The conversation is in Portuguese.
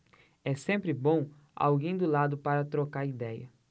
é sempre bom alguém do lado para trocar idéia